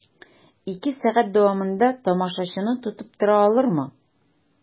Ике сәгать дәвамында тамашачыны тотып тора алырмы?